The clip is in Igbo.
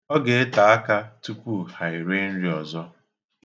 Ọ ga-ete aka tupu ha erie nri ọzọ